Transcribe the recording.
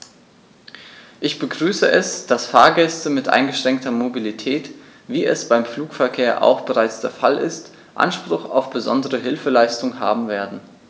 Ich begrüße es, dass Fahrgäste mit eingeschränkter Mobilität, wie es beim Flugverkehr auch bereits der Fall ist, Anspruch auf besondere Hilfeleistung haben werden.